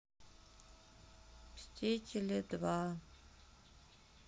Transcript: мстители два